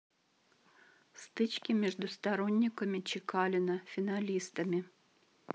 стычки между сторонниками чекалина финалистами